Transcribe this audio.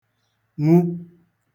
nwu